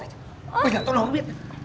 tôi nói cho cô biết